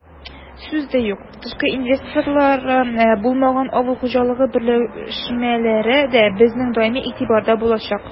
Сүз дә юк, тышкы инвесторлары булмаган авыл хуҗалыгы берләшмәләре дә безнең даими игътибарда булачак.